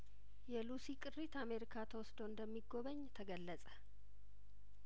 የሉሲ ቅሪት አሜሪካ ተወስዶ እንደሚጐበኝ ተገለጸ